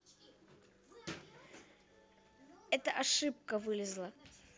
это ошибка вылезла